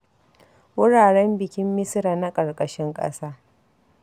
Wuraren bikin Misira na ƙarƙashin ƙasa.